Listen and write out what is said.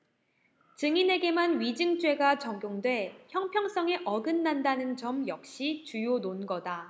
증인에게만 위증죄가 적용돼 형평성에 어긋난다는 점 역시 주요 논거다